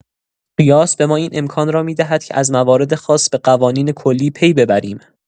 قیاس به ما این امکان را می‌دهد که از موارد خاص به قوانین کلی پی ببریم.